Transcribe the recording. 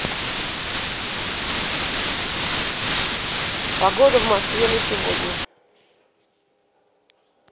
погода в москве на сегодня